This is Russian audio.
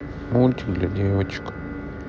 мультик для девочек